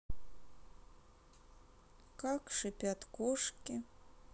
как шипят кошки